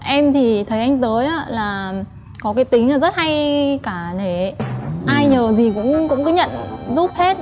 em thì thấy anh tới á là có cái tính là rất hay cả nể ai nhờ gì cũng cũng cứ nhận giúp hết